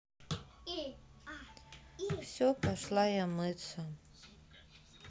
все пошла я мыться